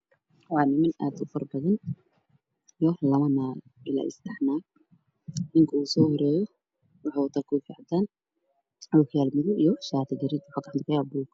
Waa niman aad u faro badan iyo labo naag ilaa iyo seddex naag. Ninka ugu soo horeeyo waxuu wataa koofi cad iyo ookiyaalo madow ah iyo shaati garee ah.